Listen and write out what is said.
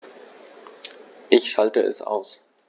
Ich schalte es aus.